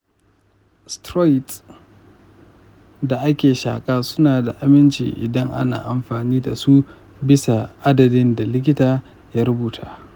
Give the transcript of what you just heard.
steroids da ake shaƙa suna da aminci idan ana amfani da su bisa adadin da likita ya rubuta.